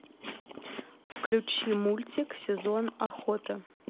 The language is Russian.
включи мультик сезон охоты